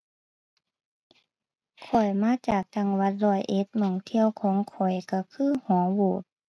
ข้อยมาจากจังหวัดร้อยเอ็ด หม้องเที่ยวของข้อยก็คือหอโหวด